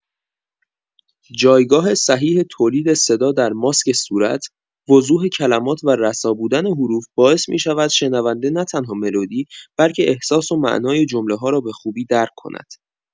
جایگاه صحیح تولید صدا در ماسک صورت، وضوح کلمات و رسا بودن حروف باعث می‌شود شنونده نه‌تنها ملودی، بلکه احساس و معنای جمله‌ها را به خوبی درک کند.